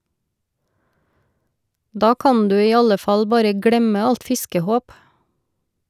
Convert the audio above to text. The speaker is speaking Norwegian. Da kan du i alle fall bare glemme alt fiskehåp.